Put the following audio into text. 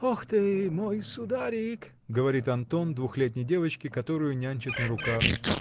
"Ох ты, мой сударик", -- говорит Антон двухлетней девочке, которую нянчит на руках.